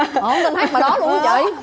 ủa không tin hát bài đó luôn ớ chị